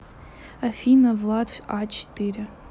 афина влад а четыре